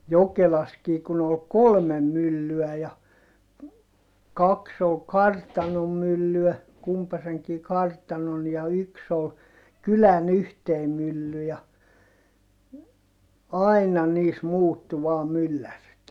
Jokelassakin kun oli kolme myllyä ja kaksi oli kartanon myllyä kumpaisenkin kartanon ja yksi oli kylän yhteinen mylly ja aina niissä muuttui vain myllärit